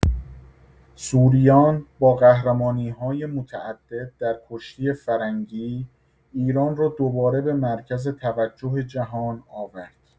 سوریان با قهرمانی‌های متعدد در کشتی فرنگی، ایران را دوباره به مرکز توجه جهان آورد.